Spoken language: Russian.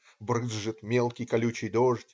Брызжет мелкий, колючий дождь.